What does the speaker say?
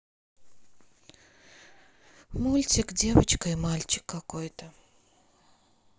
мультик девочка и мальчик какой то